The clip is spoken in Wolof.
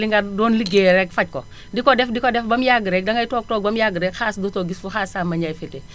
li nga doon liggéeyee rekk faj ko di ko def di ko def ba mu yàgg rekk dangay toog toog ba mu yàgg rekk xaalis dootoo ko gis fu xaalis Samba Ndiaye féetee